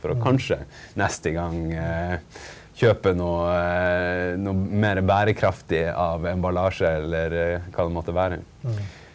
for å kanskje neste gang kjøpe noe noe mere bærekraftig av emballasje eller hva det måtte være.